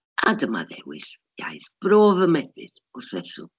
A dyma ddewis iaith bro fy mebyd, wrth reswm.